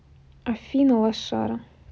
афина лошара